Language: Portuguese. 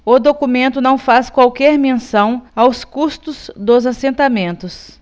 o documento não faz qualquer menção aos custos dos assentamentos